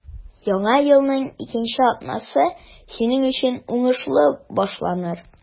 Яңа елның икенче атнасы синең өчен уңышлы башланыр.